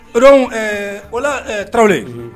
O donc o la ɛɛ tarawele, unhun.